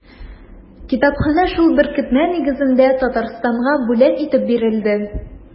Китапханә шул беркетмә нигезендә Татарстанга бүләк итеп бирелде.